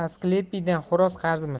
asklepiydan xo'roz qarzmiz